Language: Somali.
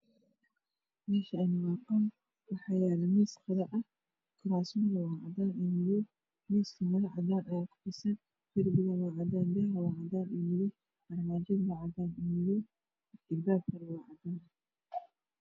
Halkana waa qol waxayalo miis qado ah kursamanka waa cadan io madow miska maro cadan ah aya kufisan darbiga waa cadan daha waa cadan io madow armajada waa cadan io madow albabka waa cadan